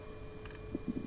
waa quatre vingt pour cent waaw